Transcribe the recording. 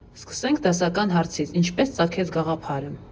Սկսենք դասական հարցից՝ ինչպե՞ս ծագեց գաղափարը։